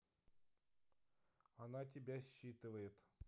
она тебя считывает